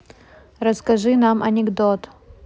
расскажи нам анекдот